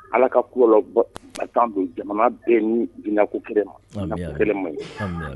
Ala ka kulɔ ba tan don jamana bɛɛ ni jinɛinako kɛlɛ ma a kɛlɛ ma ye